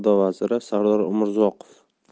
savdo vaziri sardor umurzoqov